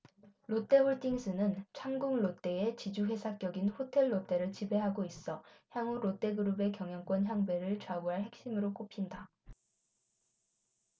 롯데홀딩스는 한국 롯데의 지주회사격인 호텔롯데를 지배하고 있어 향후 롯데그룹의 경영권 향배를 좌우할 핵심으로 꼽힌다